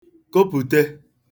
kopùte